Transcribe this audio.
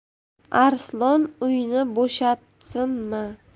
arslon uyni bo'shatsinmi